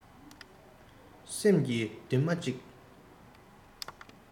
སེམས ཀྱི མདུན མ གཅིག